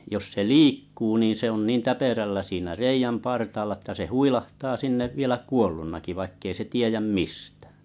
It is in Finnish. jos se liikkuu niin se on niin täpärällä siinä reiän partaalla että se huilahtaa sinne vielä kuolleenakin vaikka ei se tiedä mistään